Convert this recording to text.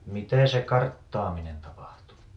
miten se karttaaminen tapahtui